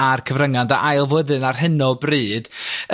a'r Cyfrynga' yn dy ail flwyddyn ar hyn o bryd.